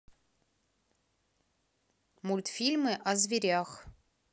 мультфильмы о зверях